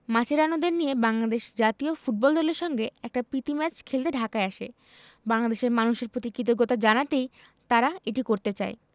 মাচেরানোদের নিয়ে বাংলাদেশ জাতীয় ফুটবল দলের সঙ্গে একটা প্রীতি ম্যাচ খেলতে ঢাকায় আসে বাংলাদেশের মানুষের প্রতি কৃতজ্ঞতা জানাতেই তারা এটি করতে চায়